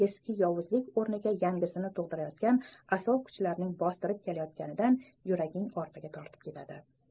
eski yovuzlik o'rniga yangisini tug'dirayotgan asov kuchlarning bostirib kelayotganidan yuraging orqaga tortib ketadi